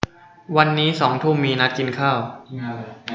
วันนี้สองทุ่มมีนัดกินข้าว